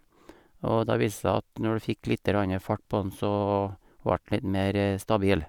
Og da vise det seg at når du fikk lite grann fart på den, så vart den litt mer stabil.